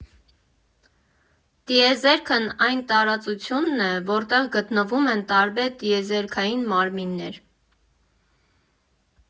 Տիեզերքն այն տարածությունն է, որտեղ գտնվում են տարբեր ՏԻԵԶԵՐՔԱՅԻՆ մարմիններ։